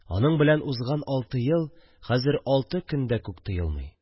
Аның белән узган алты ел хәзер алты көн дә күк тоелмый